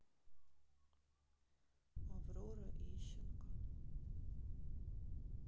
аврора ищенко